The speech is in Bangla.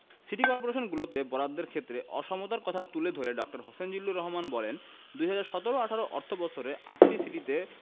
সিটি করপোরেশনগুলোতে বরাদ্দের ক্ষেত্রে অসমতার কথা তুলে ধরে ড. হোসেন জিল্লুর রহমান বলেন ২০১৭ ১৮ অর্থবছরে আটটি সিটিতে